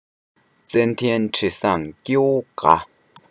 ཙན དན དྲི བཟང སྐྱེ བོ དགའ